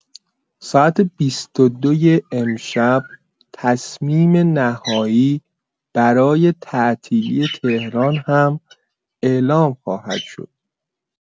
ساعت ۲۲ امشب تصمیم نهایی برای تعطیلی تهران هم اعلام خواهد شد.